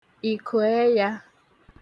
ìkùẹyā